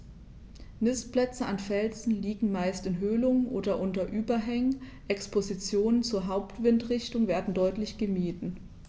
Nistplätze an Felsen liegen meist in Höhlungen oder unter Überhängen, Expositionen zur Hauptwindrichtung werden deutlich gemieden.